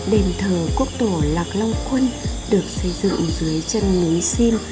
đền thờ quốc tổ lạc long quân được xây dựng dưới chân núi sim